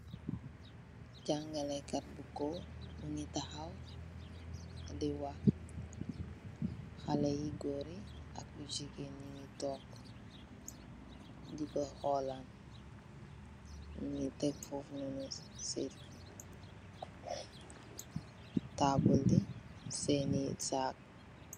Jangahleh kat bu gorr mugi tahaw di wahk haleh yi gorr yi ak you njegen Yi nyu tok diko holan mugi Tek fofu non si taable bi sehni sac.